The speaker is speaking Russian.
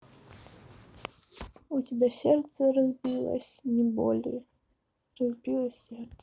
у тебя сердце разбилось не боли разбилось сердце